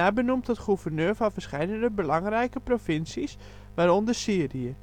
benoemd tot gouverneur van verscheidene belangrijke provincies, waaronder Syrië